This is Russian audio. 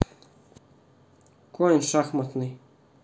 конь шахматный